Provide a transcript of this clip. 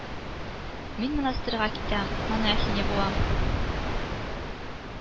Мин монастырьга китәм, монахиня булам